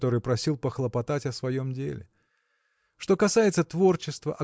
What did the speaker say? который просил похлопотать о своем деле?. Что касается творчества